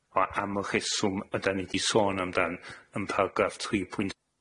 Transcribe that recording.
O am y rheswm ydan ni 'di sôn amdan yn paragraff tri pwynt